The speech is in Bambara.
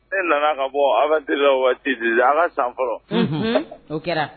E nana ka bɔ aventure la o wagati déjà a' ka san fɔlɔ unhun o kɛra